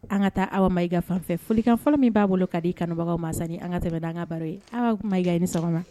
An ka taa aw ma i ka fanfɛ folikan fɔlɔ min b'a bolo ka' di i kanubagaw maa an ka tɛmɛ da anga baro ye aw' kuma ma i ka ni sɔgɔma